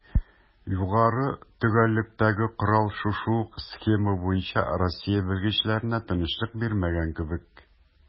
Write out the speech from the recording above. Югары төгәллектәге корал шушы ук схема буенча Россия белгечләренә тынычлык бирмәгән кебек: